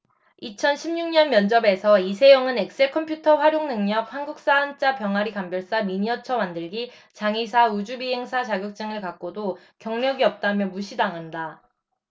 이천 십 육 년 면접에서 이세영은 엑셀 컴퓨터활용능력 한국사 한자 병아리감별사 미니어처만들기 장의사 우주비행사 자격증을 갖고도 경력이 없다며 무시당한다